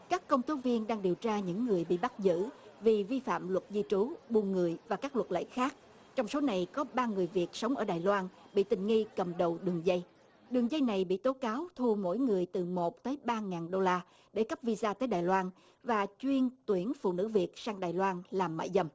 các công tố viên đang điều tra những người bị bắt giữ vì vi phạm luật di trú buôn người và các luật lệ khác trong số này có ba người việt sống ở đài loan bị tình nghi cầm đầu đường dây đường dây này bị tố cáo thu mỗi người từ một tới ba ngàn đô la để cấp vi ra tới đài loan và chuyên tuyển phụ nữ việt sang đài loan làm mại dâm